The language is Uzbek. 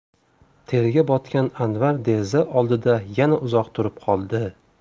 terga botgan anvar deraza oldida yana uzoq turib qoldi